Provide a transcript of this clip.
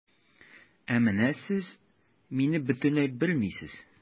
Ә менә сез мине бөтенләй белмисез.